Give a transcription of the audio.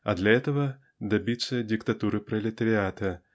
а для этого добиться "диктатуры пролетариата"